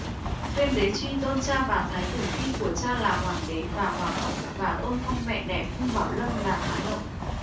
tuyên đế truy tôn cha và thái tử phi của cha là hoàng đế và hoàng hậu và tôn phong mẹ đẻ cung bảo lâm là thái hậu